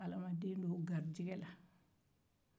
ala ma den don o garijɛgɛ la